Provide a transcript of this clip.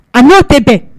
A n'a tɛ bɛn